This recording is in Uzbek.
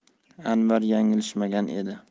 anvar yanglishmagan edi